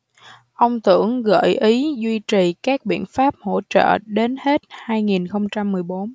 ông tưởng gợi ý duy trì các biện pháp hỗ trợ đến hết hai nghìn không trăm mười bốn